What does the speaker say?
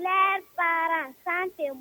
Tile fara san tɛ